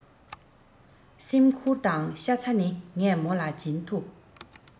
སེམས ཁུར དང ཤ ཚ ནི ངས མོ ལ སྦྱིན ཐུབ